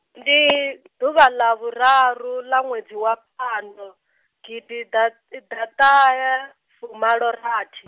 ndi, ḓuvha ḽa vhuraru ḽa ṅwedzi wa phando, gidiḓaṱahefumalorathi.